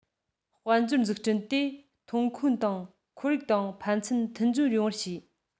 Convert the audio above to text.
དཔལ འབྱོར འཛུགས སྐྲུན དེ ཐོན ཁུངས དང ཁོར ཡུག དང ཕན ཚུན མཐུན སྦྱོར ཡོང བར བྱས